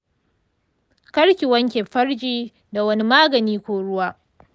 kar ki wanke farji da wani magani ko ruwa.